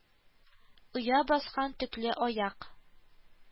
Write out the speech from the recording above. Оя баскан Төкле Аяк